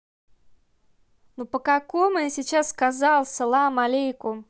ну по какому я сейчас сказал салам алейкум